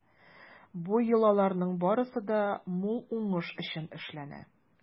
Бу йолаларның барысы да мул уңыш өчен эшләнә.